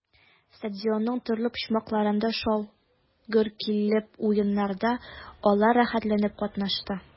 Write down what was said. Стадионның төрле почмакларында шау-гөр килеп уеннарда алар рәхәтләнеп катнашты.